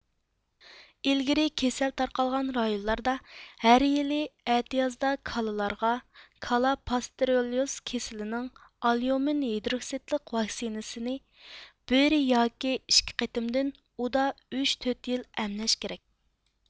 ئىلگىرى كېسەل تارقالغان رايونلاردا ھەر يىلى ئەتىيازدا كالىلارغا كالا پاستېرېلليوز كېسىلىنىڭ ئاليۇمىن ھىدروكسدلىق ۋاكسىنىسىنى بىر ياكى ئىككى قېتىمدىن ئۇدا ئۈچ تۆت يىل ئەملەش كېرەك